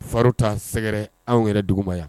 Fa ta sɛgɛrɛ anw yɛrɛ dugu ma yan